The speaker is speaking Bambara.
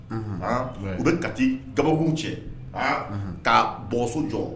Un o ka taa kababugu cɛ ka bɔso jɔ